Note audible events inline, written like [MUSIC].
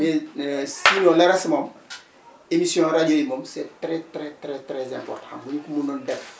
mais [HESITATION] [NOISE] sinon le reste moom [NOISE] émission rajo yi moom c' est très très très important bu ñu ko mënoon def